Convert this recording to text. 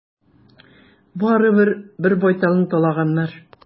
Барыбер, бер байталны талаганнар.